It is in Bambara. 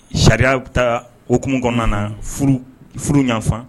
Sariya bɛ taa okumu kɔnɔna na furu ɲɔgɔnfan